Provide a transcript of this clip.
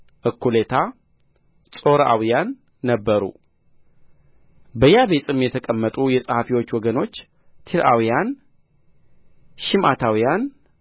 እኵሌታ ጾርዓውያን ነበሩ በያቤጽም የተቀመጡ የጸሐፊዎች ወገኖች ቲርዓውያን ሺምዓታውያን